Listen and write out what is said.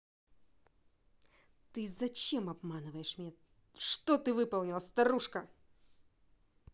ты зачем обманываешь меня что ты выполнила старушка